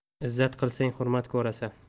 izzat qilsang hurmat ko'rasan